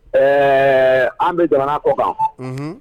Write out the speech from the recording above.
Ɛɛ an bɛ jamana kɔkan